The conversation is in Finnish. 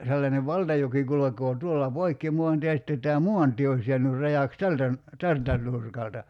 sellainen valtajoki kulkee tuolla poikki maantien ja sitten tämä maantie olisi jäänyt rajaksi tältä - tältä nurkalta